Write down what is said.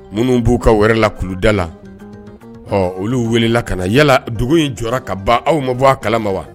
Minnu b'u ka wɛrɛ la kuluda la ɔ olu wulila ka na yala dugu in jɔ ka ban aw ma bɔ kala ma wa